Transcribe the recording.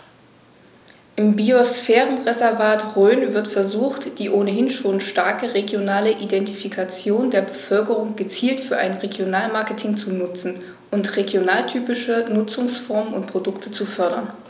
Im Biosphärenreservat Rhön wird versucht, die ohnehin schon starke regionale Identifikation der Bevölkerung gezielt für ein Regionalmarketing zu nutzen und regionaltypische Nutzungsformen und Produkte zu fördern.